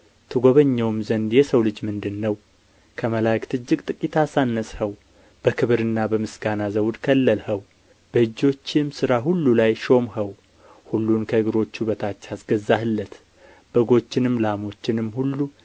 ትጐበኘውም ዘንድ የሰው ልጅ ምንድር ነው ከመላእክት እጅግ ጥቂት አሳነስኸው በክብርና በምስጋና ዘውድ ከለልኸው በእጆችህም ሥራ ሁሉ ላይ ሾምኸው ሁሉን ከእግሮቹ በታች አስገዛህለት በጎችንም ላሞችንም ሁሉ